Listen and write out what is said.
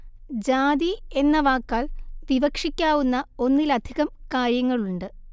ജാതി എന്ന വാക്കാൽ വിവക്ഷിക്കാവുന്ന ഒന്നിലധികം കാര്യങ്ങളുണ്ട്